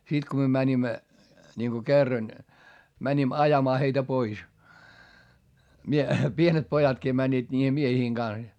sitten kun me menimme niin kun kerran menimme ajamaan heitä pois - pienet pojatkin menivät niiden miesten kanssa ja